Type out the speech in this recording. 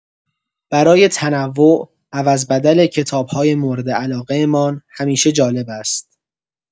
برای تنوع، عوض‌بدل کتاب‌های مورد علاقه‌مان همیشه جالب است.